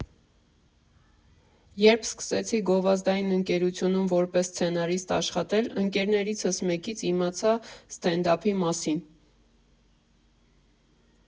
Երբ սկսեցի գովազդային ընկերությունում որպես սցենարիստ աշխատել, ընկերներիցս մեկից իմացա ստենդափի մասին։